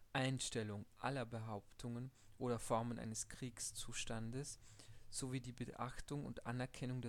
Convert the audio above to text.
Einstellung aller Behauptungen oder Formen eines Kriegszustandes sowie die Beachtung und Anerkennung